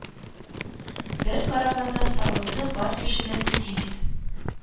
Бер караганда, салымны бар кеше дә түли бит